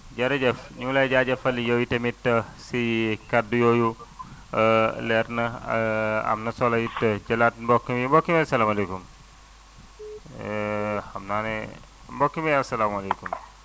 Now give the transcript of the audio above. jërëjëf ñu ngi lay jaajëfal yow tamit si kaddu yooyu leer na am na solo it jëlaat mbokk mi mbokk mi asalaamaaleykum xam naa ne mbokk mi asalaamaaleykum